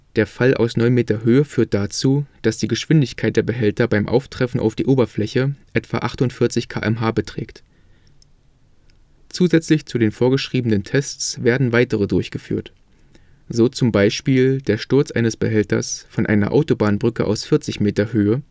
Der Fall aus 9 m Höhe führt dazu, dass die Geschwindigkeit der Behälter beim Auftreffen auf die Oberfläche etwa 48 km/h beträgt. Zusätzlich zu den vorgeschriebenen Tests werden weitere durchgeführt. So zum Beispiel: Sturz eines Behälters von einer Autobahnbrücke aus 40 m Höhe